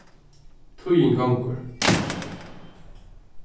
tíðin gongur